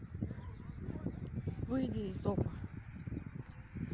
выйди из опа